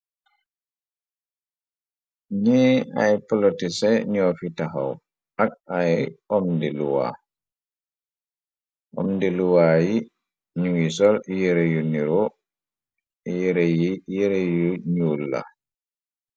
Ñii ay polotisé ñoo fi taxaw ak ay omdi luwaa, omdi luwaa yi ñuy sol yere yu niro, yere yi yere yu ñuul la.